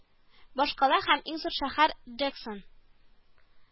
Башкала һәм иң зур шәһәр Джексон